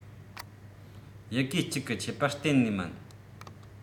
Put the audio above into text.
ཡི གེ གཅིག གི ཁྱད པར གཏན ནས མིན